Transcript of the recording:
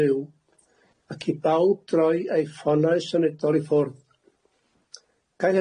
fyw, ac i bawd droi eu ffonau symudol i ffwrdd. Ga' i